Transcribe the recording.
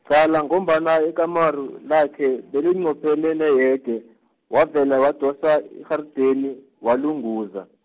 qala ngombana ikamero lakhe belinqophene neyege, wavele wadosa irharideni walunguza.